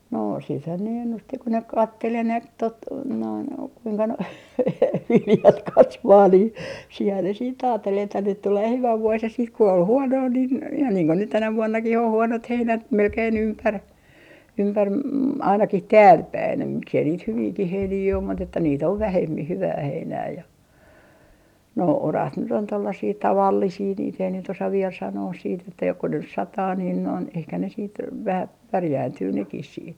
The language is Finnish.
no siitähän ne ennusti kun ne katseli enempi tuota noin kuinka nuo viljat kasvaa niin siinähän ne sitten ajatteli että nyt tulee hyvä vuosi ja sitten kun oli huonoa niin ihan niin kuin nyt tänä vuonnakin on huonot heinät melkein ympäri ympäri - ainakin täälläpäin ja miksi ei niitä hyviäkin heiniä ole mutta että niitä on vähemmin hyvää heinää ja nuo oraat nyt on tuollaisia tavallisia niitä ei nyt osaa vielä sanoa sitten että joko nyt sataa niin noin ehkä ne sitten vähän pärjääntyy nekin sitten